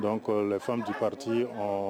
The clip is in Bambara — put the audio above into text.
Don ko fɛn bi pati ɔ